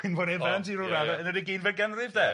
Gwynfor Evans i ryw radda yn yr ugeinfed ganrif 'de?